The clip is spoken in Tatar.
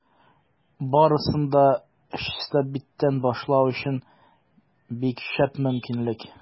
Барысын да чиста биттән башлау өчен бик шәп мөмкинлек.